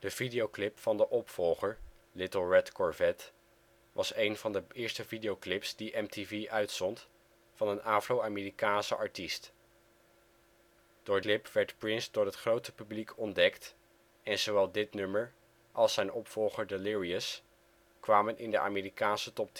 videoclip van de opvolger Little Red Corvette was een van de eerste videoclips die MTV uitzond van een Afro-Amerikaanse artiest. Door die clip werd Prince door het grote publiek ontdekt en zowel dit nummer als zijn opvolger Delirious kwamen in de Amerikaanse top